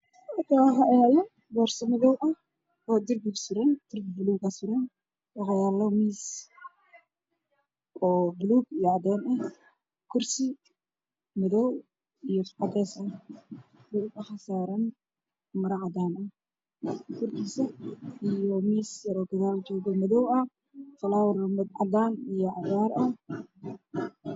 Meeshaan waxaa yaalla boorso madow ah waxayna saarantahay darbi buluug ah waxaa kale oo yaalo miis madow ah